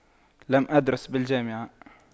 لم أدرس بالجامعة